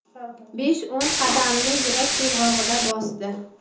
besh o'n qadamni yurak to'lg'og'ida bosdi